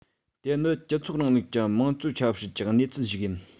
དེ ནི སྤྱི ཚོགས རིང ལུགས ཀྱི དམངས གཙོའི ཆབ སྲིད ཀྱི གནས ཚུལ ཞིག ཡིན